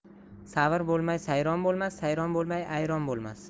savr bo'lmay sayron bo'lmas sayron bo'lmay ayron bo'lmas